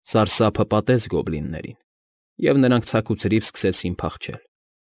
Սարսափը պատեց գոբլիններին, և նրանք ցաքուցրիվ սկսեցին փախչել։